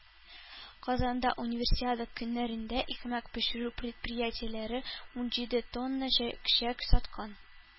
Казанда Универсиада көннәрендә икмәк пешерү предприятиеләре ун җиде тонна чәк-чәк саткан.